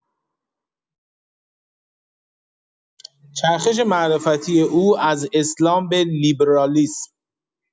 چرخش معرفتی او از اسلام به لیبرالیسم